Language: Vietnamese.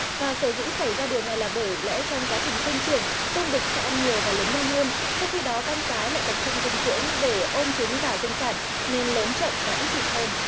và sở dĩ xảy ra điều này là bởi lẽ trong quá trình sinh trưởng tôm đực sẽ ăn nhiều và lớn nhanh hơn trong khi đó con cái lại tập trung dinh dưỡng để ôm trứng và sinh sản nên lớn chậm và ít thịt hơn